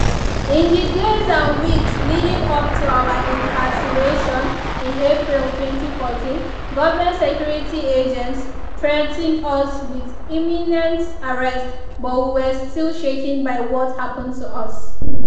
In the days and weeks leading up to our incarceration in April 2014, government security agents threatened us with imminent arrest, but we were still shaken by what happened to us.